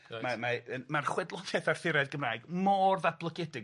Reit. Mae mae yym ma'r chwedloniaeth Arthuraidd Gymraeg mor ddatblygiedig.